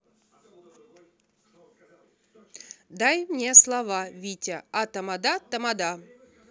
дай мне слова витя а тамада тамада